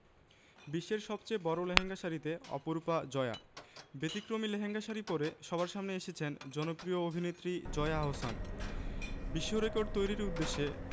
বিশ্বের সবচেয়ে বড় লেহেঙ্গা শাড়িতে অপরূপা জয়া ব্যতিক্রমী লেহেঙ্গা শাড়ি পরে সবার সামনে এসেছেন জনপ্রিয় অভিনেত্রী জয়া আহসান বিশ্বরেকর্ড তৈরির উদ্দেশ্যে